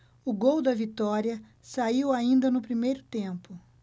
o gol da vitória saiu ainda no primeiro tempo